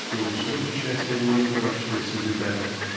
что условий счастья не нужно вообще созидать